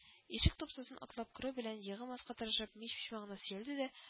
Ишек тупсасын атлап керү белән, егылмаска тырышып мич почмагына сөялде дә